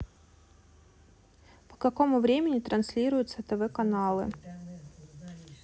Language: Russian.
по какому времени транслируются тв каналы